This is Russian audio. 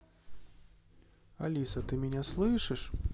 алиса алиса ты меня слышишь